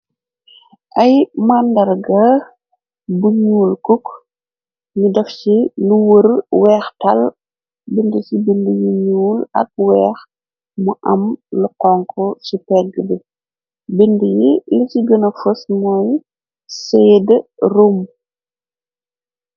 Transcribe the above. ay màndarga bu ñuul kuok nu daf ci lu wër weex tal bind ci bind yu ñuul ak weex mu am lu konko ci pegg bi bind yi li ci gëna fos mooy seede rom